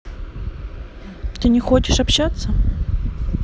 ты не хочешь общаться